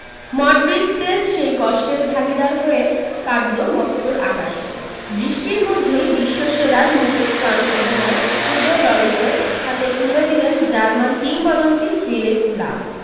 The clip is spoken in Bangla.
মডরিচদের সেই কষ্টের ভাগিদার হয়ে কাঁদল মস্কোর আকাশও বৃষ্টির মধ্যেই বিশ্বসেরার মুকুট ফ্রান্স অধিনায়ক হুগো লরিসের হাতে তুলে দিলেন জার্মান কিংবদন্তি ফিলিপ লাম